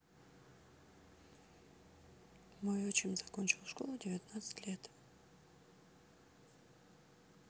мой отчим закончил школу в девятнадцать лет